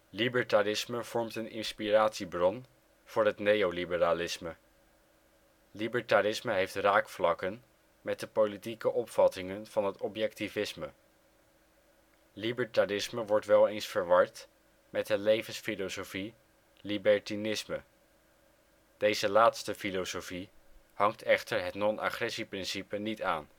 Libertarisme vormt een inspiratiebron voor het neoliberalisme. Libertarisme heeft raakvlakken met de politieke opvattingen van het Objectivisme. Libertarisme wordt wel eens verward met de levensfilosofie libertinisme. Deze laatste filosofie hangt echter het non-agressie principe niet aan